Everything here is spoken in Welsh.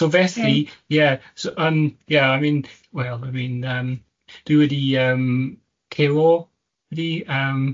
So felly, ie, so yym, ie I mean, well dwi'n yym, dwi wedi yym cero, ydi? Yym.